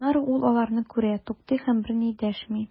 Аннары ул аларны күрә, туктый һәм берни дәшми.